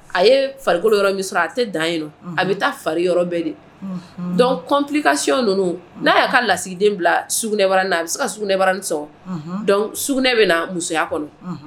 A ye farikolo yɔrɔ min sɔrɔ a tɛ dan yen, a bɛ taa fari yɔrɔ bɛɛ de, donc complication ninnu n'a y'a ka lasigiden bila sugunɛbaranin na a bɛ se ka sugunɛbaranin sɔgɔ, donc sugunɛ bɛ na musoya kɔnɔ